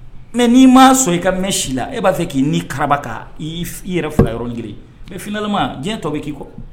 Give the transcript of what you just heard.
Mɛ n'i m ma sɔn i ka mɛn si la e b'a fɛ k'i ni kaba kan i yɛrɛ fara yɔrɔ jiri mɛ fma diɲɛ tɔgɔ bɛ k'i kɔ